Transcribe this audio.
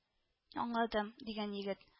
– аңладым! – дигән егет